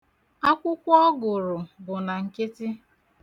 Akwụkwọ ọ gụrụ bụ na nkịtị.